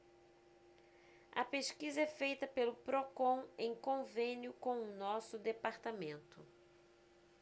a pesquisa é feita pelo procon em convênio com o diese